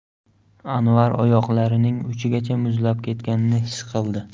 anvar oyoqlarining uchigacha muzlab ketganini his qildi